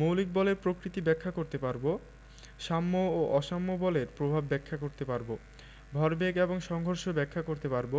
মৌলিক বলের প্রকৃতি ব্যাখ্যা করতে পারব সাম্য ও অসাম্য বলের প্রভাব ব্যাখ্যা করতে পারব ভরবেগ এবং সংঘর্ষ ব্যাখ্যা করতে পারব